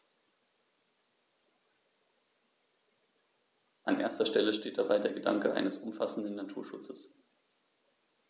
An erster Stelle steht dabei der Gedanke eines umfassenden Naturschutzes.